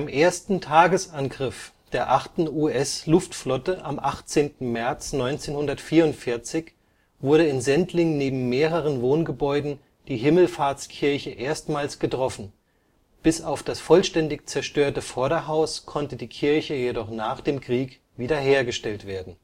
ersten Tagesangriff der 8. USAAF am 18. März 1944 wurde in Sendling neben mehreren Wohngebäuden die Himmelfahrtskirche erstmals getroffen, bis auf das vollständig zerstörte Vorderhaus konnte die Kirche jedoch nach dem Krieg wiederhergestellt werden